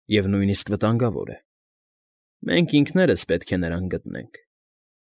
Եվ նույնիսկ վտանգավոր է։ Մենք ինքներս պետք է նրան գտնենք։